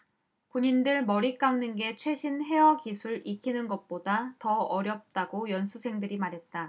군인들 머리 깎는 게 최신 헤어 기술 익히는 것보다 더 어렵다고 연수생들이 말했다